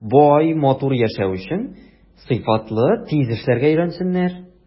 Бай, матур яшәү өчен сыйфатлы, тиз эшләргә өйрәнсеннәр.